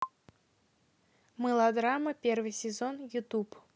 мылодрама первый сезон ютуб